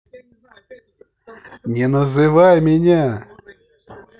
не называй меня